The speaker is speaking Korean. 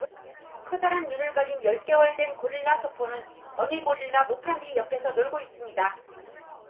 커다란 눈을 가진 열 개월 된 고릴라 소포는 어미 고릴라 모팜비 옆에서 놀고 있습니다